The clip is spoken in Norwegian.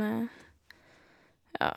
Ja.